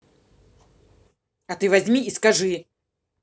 а ты возьми и скажи